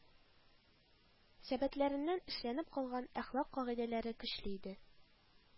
Сәбәтләреннән эшләнеп калган әхлак кагыйдәләре көчле иде